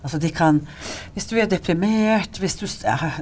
altså de kan hvis du blir deprimert hvis du.